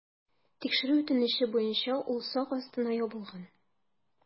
Тикшерү үтенече буенча ул сак астына ябылган.